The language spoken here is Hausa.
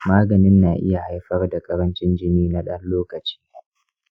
maganin na iya haifar da karancin jini na dan lokaci.